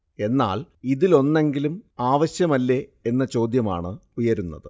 എന്നാൽ ഇതിലൊന്നെങ്കിലും ആവശ്യമല്ലേ എന്ന ചോദ്യമാണ് ഉയരുന്നത്